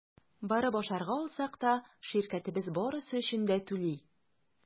Барып ашарга алсак та – ширкәтебез барысы өчен дә түли.